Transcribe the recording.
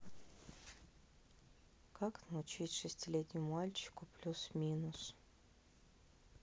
как научить шестилетнему мальчику плюс минус